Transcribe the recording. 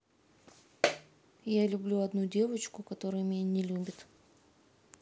я люблю одну девочку которая меня не любит